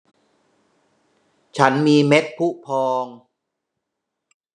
ฉันมีเม็ดพุพอง